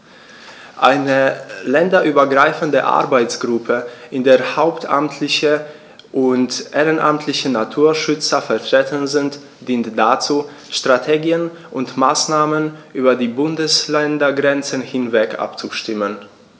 Eine länderübergreifende Arbeitsgruppe, in der hauptamtliche und ehrenamtliche Naturschützer vertreten sind, dient dazu, Strategien und Maßnahmen über die Bundesländergrenzen hinweg abzustimmen.